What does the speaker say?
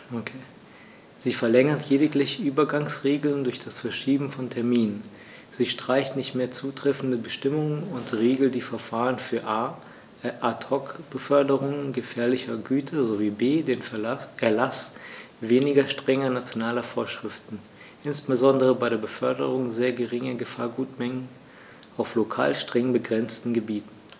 Sie verlängert lediglich Übergangsregeln durch das Verschieben von Terminen, sie streicht nicht mehr zutreffende Bestimmungen, und sie regelt die Verfahren für a) Ad hoc-Beförderungen gefährlicher Güter sowie b) den Erlaß weniger strenger nationaler Vorschriften, insbesondere bei der Beförderung sehr geringer Gefahrgutmengen auf lokal streng begrenzten Gebieten.